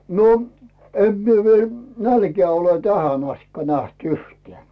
no en minä vielä nälkää ole tähän asti nähnyt yhtään